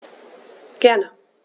Gerne.